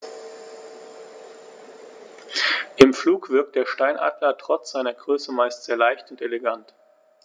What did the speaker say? Im Flug wirkt der Steinadler trotz seiner Größe meist sehr leicht und elegant.